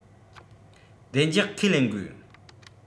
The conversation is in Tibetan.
བདེ འཇགས ཁས ལེན དགོས